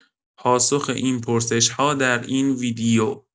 پاسخ این پرسش‌ها در این ویدئو